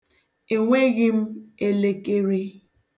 E nweghị m elekere.